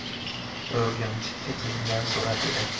o'rgimchikka chizilgan surat edi